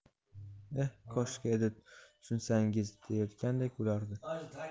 eh koshki edi tushunsangiz deyayotgandek bo'lardi